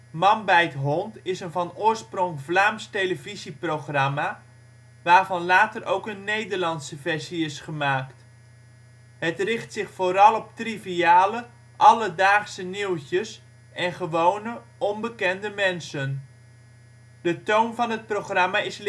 Man bijt hond is een van oorsprong Vlaams televisieprogramma, waarvan later ook een Nederlandse versie is gemaakt. Het richt zich vooral op triviale, alledaagse nieuwtjes en gewone, onbekende mensen. De toon van het programma is